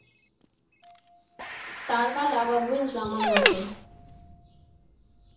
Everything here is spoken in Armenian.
Տարվա լավագույն ժամանակը։